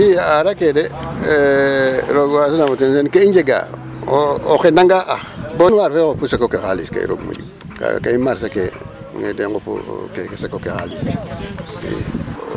II a aar ake de roog a waasanam o ten in ke i njega o xendanga ax bon marse ke xupu seko ke xaalis koy roog moƴu kaaga kay marse ke den nqupu keke seko ke xaalis ii.